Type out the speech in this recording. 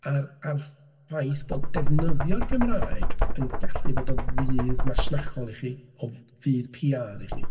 A'r a'r ffaith bod defnyddio'r Gymraeg yn gallu bod o fudd masnachol i chi, o fudd PR i chi.